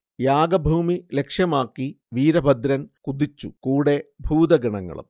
യാഗഭൂമി ലക്ഷ്യമാക്കി വീരഭദ്രൻ കുതിച്ചു കൂടെ ഭൂതഗണങ്ങളും